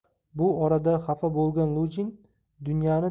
bu orada xafa bo'lgan lujin dunyani